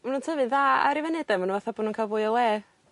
ma' nw'n tyfu'n dda ar y funud 'de ma' n'w fatha bo' nw'n ca'l fwy o le.